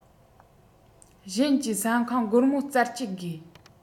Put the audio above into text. གཞན གྱིས ཟ ཁང སྒོར མོ བཙལ བཅད དགོས